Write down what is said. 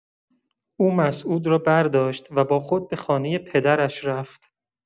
او مسعود را برداشت و با خود به خانه پدرش رفت.